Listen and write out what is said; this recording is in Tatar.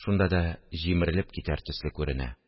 Шунда да җимерелеп китәр төсле күренә